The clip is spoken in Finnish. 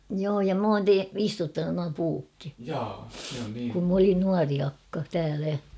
joo ja minä olen - istuttanut nuo puutkin kun minä olin nuori akka täällä